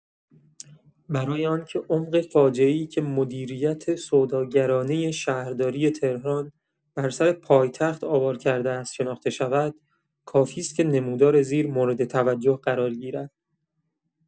برای آن‌که عمق فاجعه‌ای که مدیریت سوداگرانه شهرداری تهران بر سر پایتخت آوار کرده است شناخته شود، کافی است که نمودار زیر مورد توجه قرار گیرد.